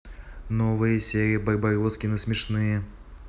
новые серии барбоскины смешные